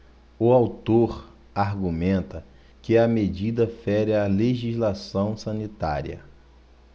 o autor argumenta que a medida fere a legislação sanitária